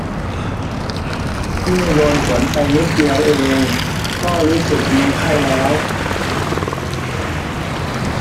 เพิ่งโดนฝนไปนิดเดียวเองก็รู้สึกมีไข้แล้ว